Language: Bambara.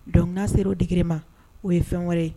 Don sera o digi ma o ye fɛn wɛrɛ